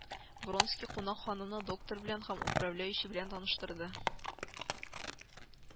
Вронский кунак ханымны доктор белән һәм управляющий белән таныштырды